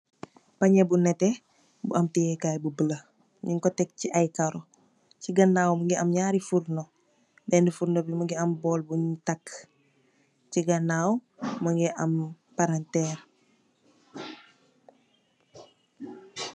Panyie bu nete bu am teyikaay bu bulo, nu ko tekk ci ay karo, ci ganawam mungi am naari furno, bena furno bi mungi am bol bu takka ci ganawam mungi am parater.